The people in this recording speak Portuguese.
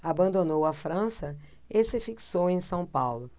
abandonou a frança e se fixou em são paulo